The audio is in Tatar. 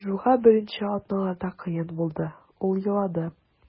Доржуга беренче атналарда кыен булды, ул елады.